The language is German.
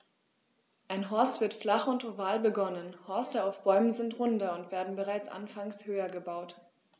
Ein Horst wird flach und oval begonnen, Horste auf Bäumen sind runder und werden bereits anfangs höher gebaut.